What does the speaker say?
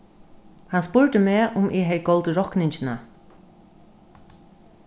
hann spurdi meg um eg hevði goldið rokningina